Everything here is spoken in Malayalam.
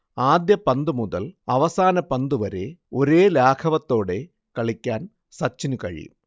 ആദ്യ പന്തുമുതൽ അവസാന പന്തുവരെ ഒരേ ലാഘവത്തോടെ കളിക്കാൻ സച്ചിനു കഴിയും